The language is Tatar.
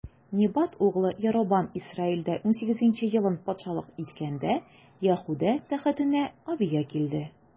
Небат углы Яробам Исраилдә унсигезенче елын патшалык иткәндә, Яһүдә тәхетенә Абия килде.